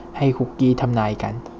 ให้คุกกี้ทำนายกัน